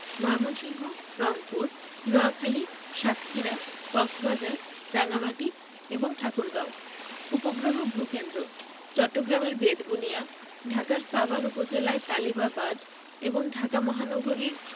ময়মনসিংহ রংপুর নোয়াখালী সাতক্ষীরা কক্সবাজার রাঙ্গামাটি এবং ঠাকুরগাঁও উপগ্রহ ভূ কেন্দ্রঃ চট্টগ্রামের বেতবুনিয়া ঢাকার সাভার উপজেলায় তালিবাবাদ এবং ঢাকা মহানগরীর